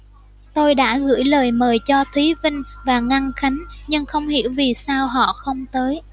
tôi đã gửi lời mời cho thúy vinh và ngân khánh nhưng không hiểu vì sao họ không tới